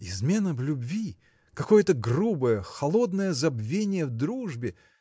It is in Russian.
– Измена в любви, какое-то грубое, холодное забвение в дружбе.